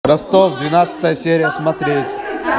ростов двенадцатая серия смотреть